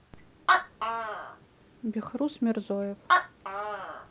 бехруз мерзоев